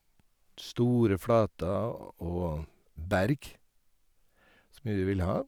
Store flater og berg så mye du vil ha.